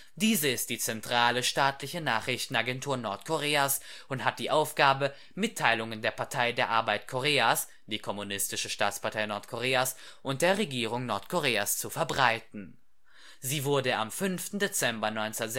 Diese ist die zentrale Staatliche Nachrichtenagentur Nordkoreas und hat die Aufgabe, Mitteilungen der Partei der Arbeit Koreas (PdAK, die kommunistische Staatspartei Nordkoreas) und der Regierung Nordkoreas zu verbreiten. Sie wurde am 5. Dezember 1946